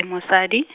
e mosadi.